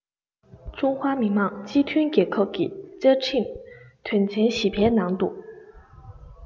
ཀྲུང ཧྭ མི དམངས སྤྱི མཐུན རྒྱལ ཁབ ཀྱི བཅའ ཁྲིམས དོན ཚན བཞི པའི ནང དུ